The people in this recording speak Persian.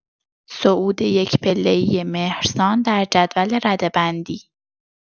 صعود یک‌پله‌ای مهرسان در جدول رده‌بندی